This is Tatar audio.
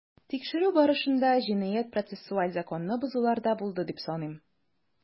Тикшерү барышында җинаять-процессуаль законны бозулар да булды дип саныйм.